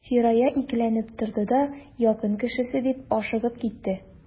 Фирая икеләнеп торды да: — Якын кешесе,— дип ашыгып әйтте.